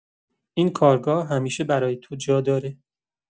این کارگاه همیشه برای تو جا داره.